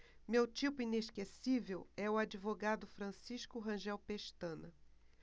meu tipo inesquecível é o advogado francisco rangel pestana